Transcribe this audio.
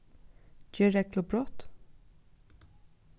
ger reglubrot